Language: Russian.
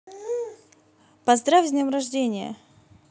поздравь с днем рождения